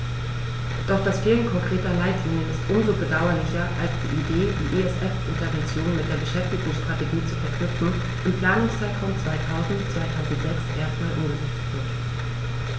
Doch das Fehlen konkreter Leitlinien ist um so bedauerlicher, als die Idee, die ESF-Interventionen mit der Beschäftigungsstrategie zu verknüpfen, im Planungszeitraum 2000-2006 erstmals umgesetzt wird.